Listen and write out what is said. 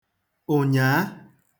ụ̀nyàa